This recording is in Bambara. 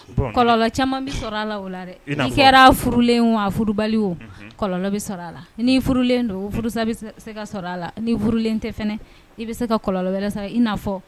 Kɔ caman bɛ a la la dɛ i kɛra furulen wa bɛ a la nilen don furu a la ni furulen tɛ i bɛ se ka kɔlɔnlɔ wɛrɛ sara i'a fɔ